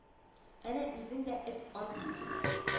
Әнә үзең дә эт ан бит син